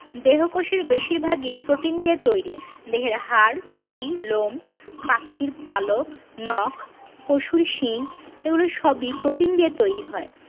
দেহকোষের বেশির ভাগই প্রোটিন দিয়ে তৈরি দেহের হাড় পেশি লোম পাখির পালক নখ পশুর শিং এগুলো সবই প্রোটিন দিয়ে তৈরি হয়